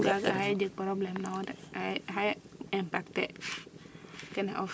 yaga xaye jeg probleme nawo de xaya impacter kene of